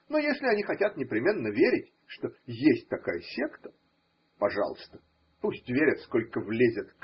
но если они хотят непременно верить, что есть такая секта – пожалуйста, пусть верят, сколько влезет.